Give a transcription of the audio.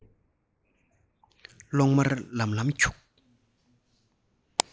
གློག དམར ལམ ལམ འཁྱུག